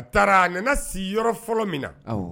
A taara, a nana sigi yɔrɔ fɔlɔ min na, awɔ.